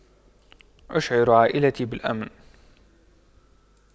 أشعر عائلتي بالأمن